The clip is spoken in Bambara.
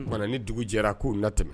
Tumana ni dugu jɛra a k'u na tɛmɛ